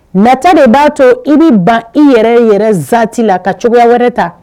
Nata de b'a to i bi ban i yɛrɛ yɛrɛ saati la ka cogoya wɛrɛ ta